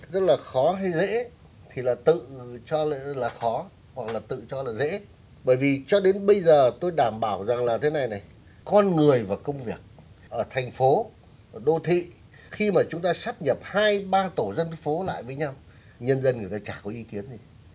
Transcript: rất là khó hay dễ thì là tự cho là khó hoặc là tự cho là dễ bởi vì cho đến bây giờ tôi đảm bảo rằng là cái này này con người và công việc ở thành phố đô thị khi mà chúng ta sáp nhập hai bang tổ dân phố lại với nhau nhân dân người ta chả có ý kiến gì